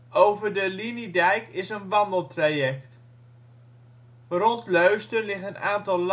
Over de liniedijk is een wandeltraject. Rond Leusden liggen een aantal landgoederen